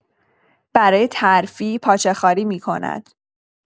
برای ترفیع پاچه‌خواری می‌کند.